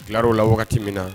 Bilawo la wagati min na